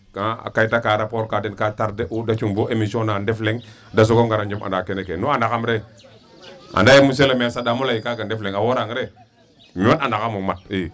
Axa kayit aka rapport ka den ka tarde'u da cung bo emission na Ndefleng da soog o ngara njom'anda kene ke, nu andaxam re anda yee monsieur le maire saɗaam o lay kaaga Ndefleng a woorang re mi moom andaxamo mat ii.